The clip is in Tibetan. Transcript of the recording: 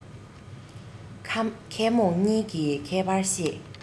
མཁས རྨོངས གཉིས ཀྱི ཁྱད པར ཤེས